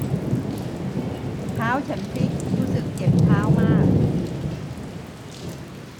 เท้าฉันพลิกรู้สึกเจ็บเท้ามาก